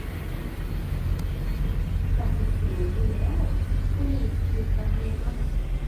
ก็สิสูนอยู่แหล้ว ผู้นี้ซื้อตำแหน่งมาบ่